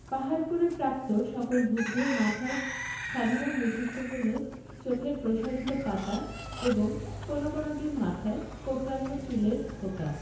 পাহাড়পুরে প্রাপ্ত সকল বুদ্ধের মাথার সাধারণ বৈশিষ্ট্য হলো চোখের প্রসারিত পাতা এবং কোন কোনটির মাথায় কোকড়ানো চুলের থোকা